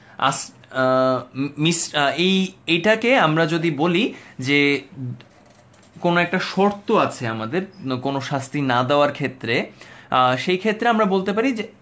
আশ্রিত এইটা কে আমরা যদি বলি যে কোন একটা শর্ত আছে আমাদের কোন শাস্তি না দেওয়ার ক্ষেত্রে সেই ক্ষেত্রে আমরা বলতে পারি যে